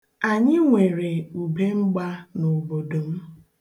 Anyị nwere ubemgba n'obodo m.